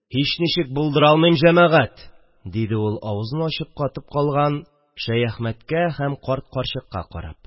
– һичничек булдыра алмыйм, җәмәгать, – диде ул авызын ачып катып калган шәяхмәткә һәм карт-карчыкка карап